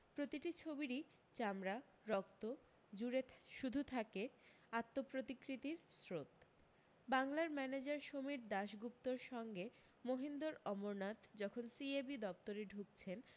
প্রতিটি ছবিরি চামড়া রক্ত জুড়ে শুধু থাকে আত্মপ্রতিকৃতির স্রোত বাংলার ম্যানেজার সমীর দাশগুপ্তর সঙ্গে মহিন্দর অমরনাথ যখন সিএবি দপ্তরে ঢুকছেন